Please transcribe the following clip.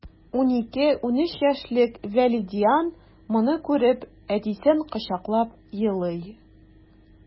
12-13 яшьлек вәлидиан моны күреп, әтисен кочаклап елый...